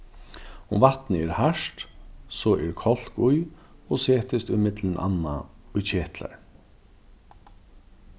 um vatnið er hart so er kálk í og setist ímillum annað í ketlar